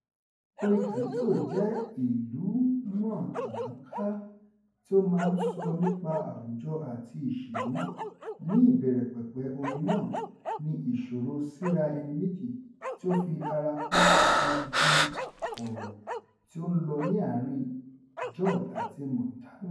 Orin calypso jẹ́ ìlúmọ̀nánká tí ó máa ń sọ nípa àwùjọ àti ìṣèlú, ní ìbẹ̀rẹ̀ pẹ̀pẹ̀ orin náà ni ìsọ̀rọ̀ síra ẹni méjì tí ó fi ara pẹ́ ogun ọ̀rọ̀ tí ó ń lọ ní àárín-in George àti Montano.